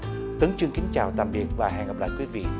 tuấn trương kính chào tạm biệt và hẹn gặp lại quý vị